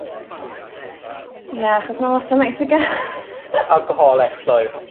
Ia achos ma' 'na wastad alcoholic llwyr.